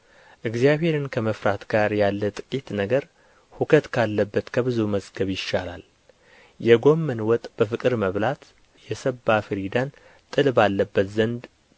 እግዚአብሔርን ከመፍራት ጋር ያለ ጥቂት ነገር ሁከት ካለበት ከብዙ መዝገብ ይሻላል የጐመን ወጥ በፍቅር መብላት የሰባ ፍሪዳን ጥል ባለበት ዘንድ